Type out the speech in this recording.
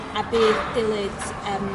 a beth dilyd yym